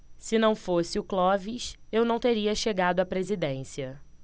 se não fosse o clóvis eu não teria chegado à presidência